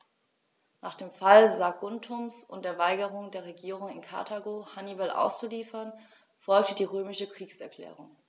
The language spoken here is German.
Nach dem Fall Saguntums und der Weigerung der Regierung in Karthago, Hannibal auszuliefern, folgte die römische Kriegserklärung.